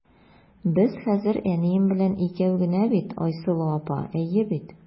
Без хәзер әнием белән икәү генә бит, Айсылу апа, әйе бит?